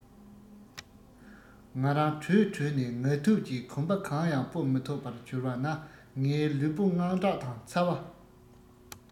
ང རང བྲོས བྲོས ནས ངལ དུབ ཀྱིས གོམ པ གང ཡང སྤོ མི ཐུབ པར གྱུར བ ན ངའི ལུས པོ དངངས སྐྲག དང ཚ བ